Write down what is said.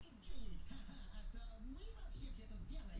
увы точно